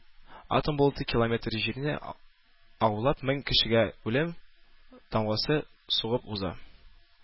Атом болыты километр җирне агулап мең кешегә үлем тамгасы сугып уза.